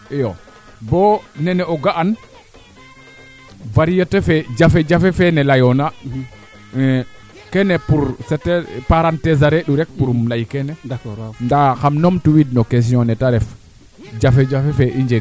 mboɗa jarooga nga kilo xaɓbaxay fo xaɓetak ɓasi kilo xarɓaxaya jaroogu ke taxna ten refu yee ɓasi mee oxu ñamuna ka jegiro pooɗ ndaa o nana nga te jafeñ ndiiki